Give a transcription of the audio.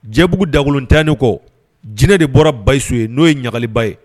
Jɛbugu dakolontanani kɔ jinɛ de bɔra basisu ye n'o ye ɲagaliba ye